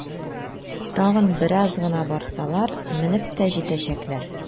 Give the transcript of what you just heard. Тагын бераз гына барсалар, менеп тә җитәчәкләр!